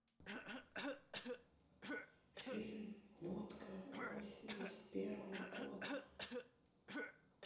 фильм лодка восемьдесят первого года